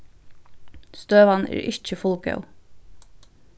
støðan er ikki fullgóð